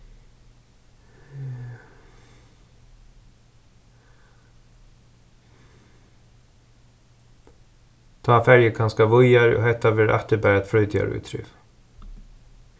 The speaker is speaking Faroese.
tá fari eg kanska víðari og hetta verður aftur bara eitt frítíðarítriv